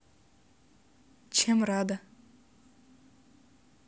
чем рада